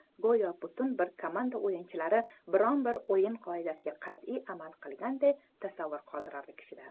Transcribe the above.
go'yo butun bir komanda o'yinchilari biron bir o'yin qoidasiga qat'iy amal qilayotganday tasavvur qoldirardi kishida